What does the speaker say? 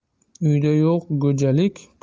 uyida yo'q go'jalik